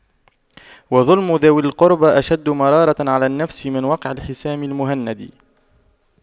وَظُلْمُ ذوي القربى أشد مرارة على النفس من وقع الحسام المهند